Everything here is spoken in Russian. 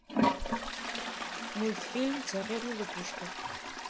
мультфильм царевна лягушка